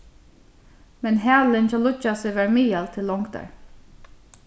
men halin hjá líggjasi var miðal til longdar